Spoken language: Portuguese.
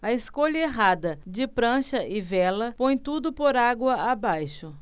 a escolha errada de prancha e vela põe tudo por água abaixo